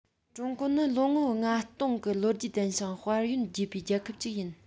ཀྲུང གོ ནི ལོ ངོ ལྔ སྟོང གི ལོ རྒྱུས ལྡན ཞིང དཔལ ཡོན རྒྱས པའི རྒྱལ ཁབ ཅིག ཡིན